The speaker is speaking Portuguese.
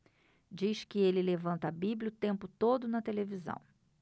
diz que ele levanta a bíblia o tempo todo na televisão